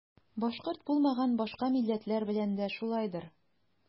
Башкорт булмаган башка милләтләр белән дә шулайдыр.